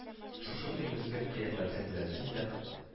Шушындый мескен кыяфәтең белән син дә